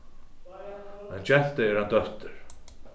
ein genta er ein dóttir